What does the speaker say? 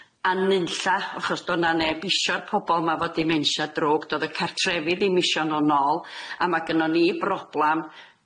A nunlla achos do' 'na neb isio'r pobol 'ma 'fo dimensia drwg. Dodd y cartrefi ddim isio nw nôl. A ma' gynnon ni broblam.